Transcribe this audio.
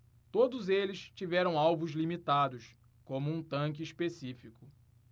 todos eles tiveram alvos limitados como um tanque específico